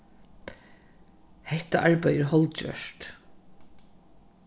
hetta arbeiðið er hálvgjørt